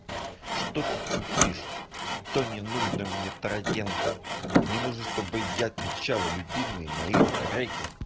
ты что тупишь то не нужно мне тараненко мне нужно то что я отмечала любимые мои треки